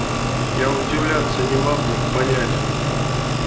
я удивляться не могу понять